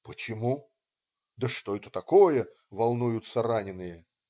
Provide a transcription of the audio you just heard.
"Почему?!" - "Да что это такое?!" - волнуются раненые.